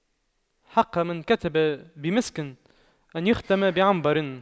حق من كتب بمسك أن يختم بعنبر